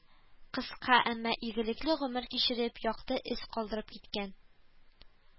Кыска, әмма игелекле гомер кичереп, якты эз калдырып киткән